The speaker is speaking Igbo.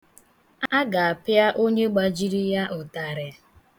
A ga-apịa onye gbajiri ya ụtarị.